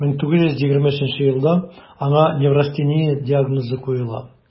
1923 елда аңа неврастения диагнозы куела: